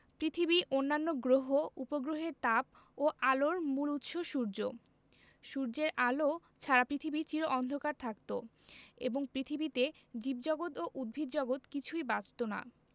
পৃথিবী অন্যান্য গ্রহ উপগ্রহের তাপ ও আলোর মূল উৎস সূর্য সূর্যের আলো ছাড়া পৃথিবী চির অন্ধকার থাকত এবং পৃথিবীতে জীবজগত ও উদ্ভিদজগৎ কিছুই বাঁচত না